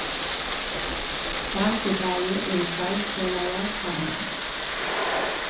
hasi bæði eru starvsfelagar hjá mær